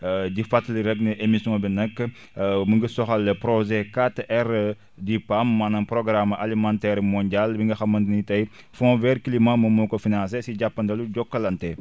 di fàttali rek ne émission bi nag mu ngi soxal projet 4R di PAM maanaam programme alimentaire mondial mi nga xamante ni tey fond vers climat moom moo ko financer si jàppandalu Jokalante